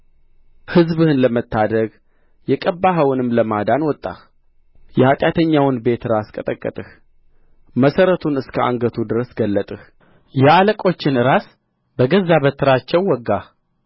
ሕዝብህን ለመታደግ የቀባኸውንም ለማዳን ወጣህ የኃጢአተኛውን ቤት ራስ ቀጠቀጥህ መሠረቱን እስከ አንገቱ ድረስ ገለጥህ የአለቆችን ራስ በገዛ በትራቸው ወጋህ